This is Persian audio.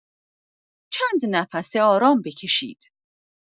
چند نفس آرام بکشید.